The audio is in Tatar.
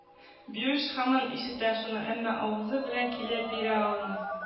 Биюш һаман ишетә шуны, әмма авызы белән көйләп бирә алмый.